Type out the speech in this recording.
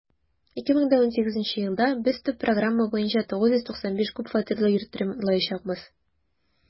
2018 елда без төп программа буенча 995 күп фатирлы йорт ремонтлаячакбыз.